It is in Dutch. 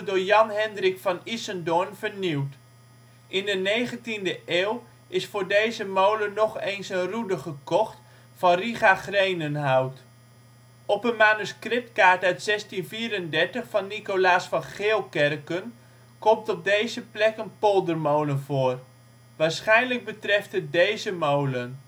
Jan Hendrik van Isendoorn vernieuwd. In de negentiende eeuw is voor deze molen nog eens een roede gekocht van Riga-grenen hout. Op een manuscriptkaart uit 1634 van Nicolaes van Geelkercken komt op deze plek een poldermolen voor. Waarschijnlijk betreft het deze molen